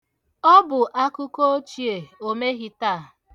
Ọ bụ akụkọ ochie, o meghi taa.